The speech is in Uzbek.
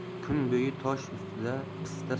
kun bo'yi tosh ustida pista